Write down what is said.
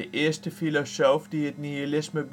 eerste filosoof die het nihilisme bestudeerde